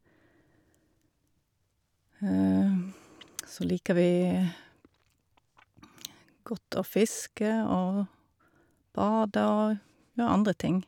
Så liker vi godt å fiske og bade og gjøre andre ting.